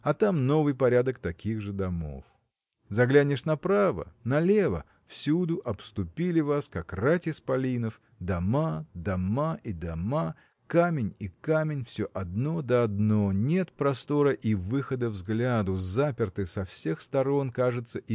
а там новый порядок таких же домов. Заглянешь направо налево – всюду обступили вас как рать исполинов дома дома и дома камень и камень все одно да одно. нет простора и выхода взгляду заперты со всех сторон – кажется